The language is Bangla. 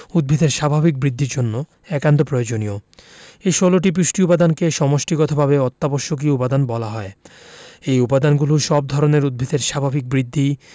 উদ্ভিদের স্বাভাবিক বৃদ্ধির জন্য একান্ত প্রয়োজনীয় এ ১৬টি পুষ্টি উপাদানকে সমষ্টিগতভাবে অত্যাবশ্যকীয় উপাদান বলা হয় এই উপাদানগুলো সব ধরনের উদ্ভিদের স্বাভাবিক বৃদ্ধি